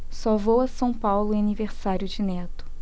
só vou a são paulo em aniversário de neto